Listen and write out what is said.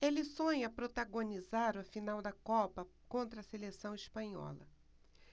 ele sonha protagonizar a final da copa contra a seleção espanhola